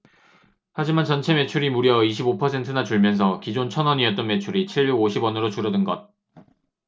하지만 전체 매출이 무려 이십 오 퍼센트나 줄면서 기존 천 원이었던 매출이 칠백 오십 원으로 줄어든 것